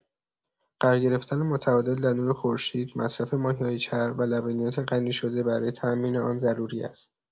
قرار گرفتن متعادل در نور خورشید، مصرف ماهی‌های چرب و لبنیات غنی‌شده برای تامین آن ضروری است.